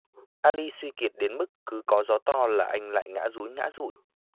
a ly suy kiệt đến mức cứ có gió to là anh lại ngã dúi ngã dụi